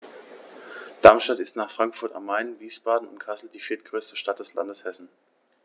Darmstadt ist nach Frankfurt am Main, Wiesbaden und Kassel die viertgrößte Stadt des Landes Hessen